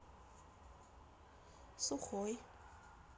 сухой